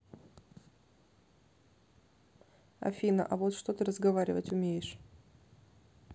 афина а вот что ты разговаривать умеешь